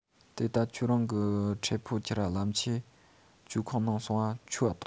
དེ ད ཁྱོས རང གི ཁྲེ ཕིའོ ཁྱེར ར ལམ ཆས བཅོའུ ཁང ནང ང སོང ང ཆོའུ འ ཐོངས